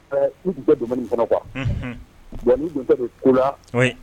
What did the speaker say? Ɛɛ n tun tɛ domaine in kɔnɔ quoi , unhun n dun tɛ ko la, wati.